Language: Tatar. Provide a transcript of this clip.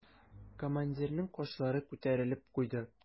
Командирның кашлары күтәрелеп куйды.